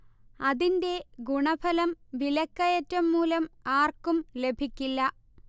അതിന്റെ ഗുണഫലം വിലക്കയറ്റം മൂലം ആർക്കും ലഭിക്കില്ല